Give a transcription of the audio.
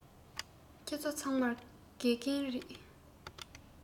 ཁྱེད ཚོ ཚང མ དགེ རྒན རེད